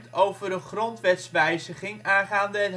over een grondwetswijziging aangaande